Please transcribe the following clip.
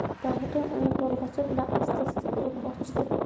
davron uni bolg'acha bilan astaasta urib ochdi